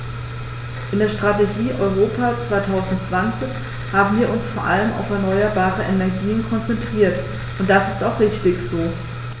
In der Strategie Europa 2020 haben wir uns vor allem auf erneuerbare Energien konzentriert, und das ist auch richtig so.